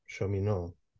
Show me no.